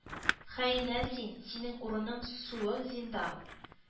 «хаинә син! синең урының — суык зиндан!»